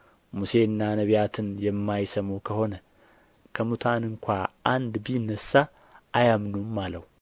ሙሴንና ነቢያትንም የማይሰሙ ከሆነ ከሙታንም እንኳ አንድ ቢነሣ አያምኑም አለው